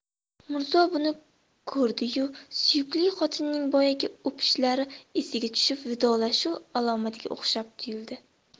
mirzo buni ko'rdi yu suyukli xotinining boyagi o'pichlari esiga tushib vidolashuv alomatiga o'xshab tuyuldi